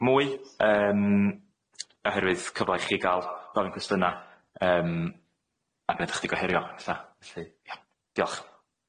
mwy yym oherwydd cyfla i chi ga'l gofyn cwestiyna', yym a gneud chydig o herio ella, felly ia, diolch.